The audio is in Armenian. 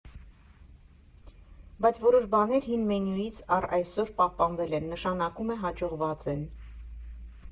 Բայց որոշ բաներ հին մենյուից առ այսօր պահպանվել են, նշանակում է՝ հաջողված են։